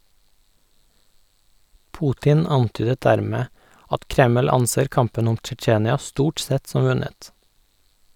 Putin antydet dermed at Kreml anser kampen om Tsjetsjenia stort sett som vunnet.